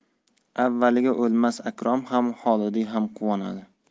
avvaliga o'lmas akrom ham xolidiy ham quvonadi